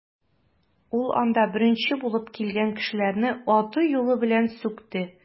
Ул анда беренче булып килгән кешеләрне аты-юлы белән сүкте.